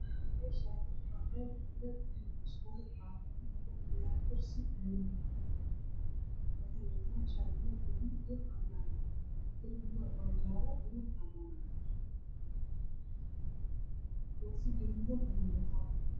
Meshaani waa meel wiilaal iskugu imaadeen wexey ku fadhiyaan mursi madow ah wexeyna wataan shatiyo baluug iyo cadan ah derbiga waa jaale iyo cadan koofii gaduudan ayuu wataa